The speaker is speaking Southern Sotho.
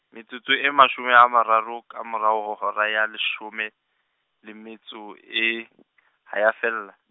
metsotso e mashome a mararo ka morao ho hora ya leshome, le metso e, ha ya fela.